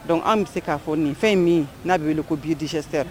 Dɔnku an bɛ se k'a fɔ nin fɛn ye min ye n'a bɛ wele ko bidise sera